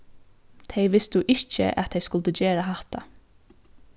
tey vistu ikki at tey skuldu gera hatta